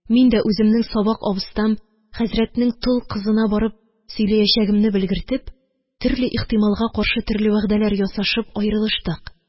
Мин дә үземнең сабак абызтам, хәзрәтнең тол кызына барып сөйләячәгемне белгертеп, төрле ихтималга каршы төрле вәгъдәләр ясашып аерылыштык.